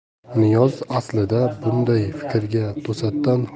niyoz aslida bunday fikrga